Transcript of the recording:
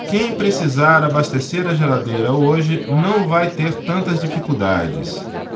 quem precisar abastecer a geladeira hoje não vai ter tantas dificuldades